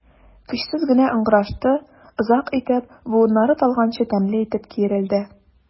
Көчсез генә ыңгырашты, озак итеп, буыннары талганчы тәмле итеп киерелде.